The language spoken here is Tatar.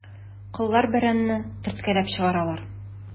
Коллар бәрәнне төрткәләп чыгаралар.